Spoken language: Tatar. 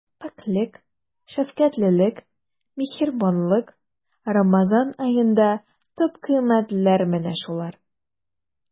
Пакьлек, шәфкатьлелек, миһербанлык— Рамазан аенда төп кыйммәтләр менә шулар.